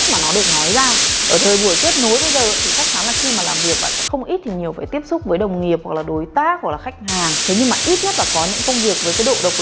mà nó được nói ra ở thời buổi kết nối bây giờ thì chắc chắn là khi mà làm việc bạn sẽ không ít thì nhiều phải tiếp xúc với đồng nghiệp hoặc là đối tác hoặc là khách hàng thế nhưng mà ít nhất là có những công việc với cái độ độc lập